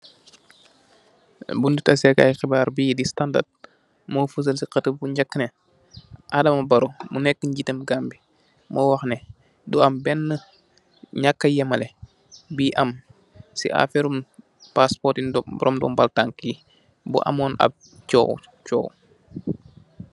Bunti tasèkai xibaryi bi Standard mo fasal ci xatam bu njak neh, Adama Barrow mu nekka njiitum Gambi mó wax neh du am benna ñaka yèmaleh bii am ci aferrum passport ndok borom ndombó takka yi bu amun ap cówców.